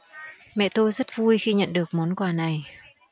mẹ tôi rất vui khi nhận được món quà này